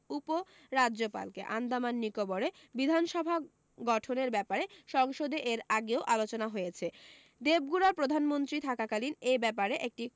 উপ রাজ্যপালকে আন্দামান নিকোবরে বিধানসভা গঠনের ব্যাপারে সংসদে এর আগেও আলোচনা হয়েছে দেবগুড়া প্রধানমন্ত্রী থাকাকালীন এ ব্যাপারে একটি